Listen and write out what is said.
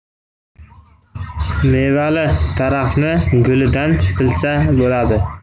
mevali daraxtni gulidan bilsa bo'ladi